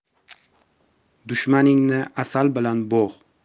dushmaningni asal bilan bo'g'